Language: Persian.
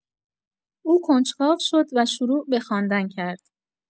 او کنجکاو شد و شروع به خواندن کرد.